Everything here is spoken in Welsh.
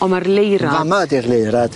On' ma'r leira- ... Fa'ma' ydi'r leirad.